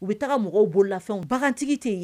U bɛ taga mɔgɔw bololafɛn bagan tigi tɛ yen